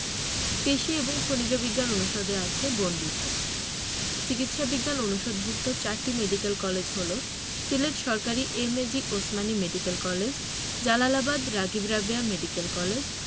কৃষি এবং খনিজ বিজ্ঞান অনুষদে আছে বন বিভাগ চিকিৎসা বিজ্ঞান অনুষদভুক্ত চারটি মেডিকেল কলেজ হলো সিলেট সরকারি MAG Osmani medical college Jalalabad Ragib Rabeya medical college